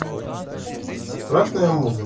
страшная музыка